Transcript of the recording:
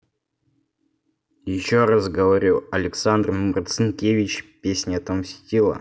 еще раз говорю александр марцинкевич песня отомстила